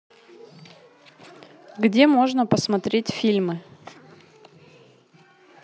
где можно посмотреть фильмы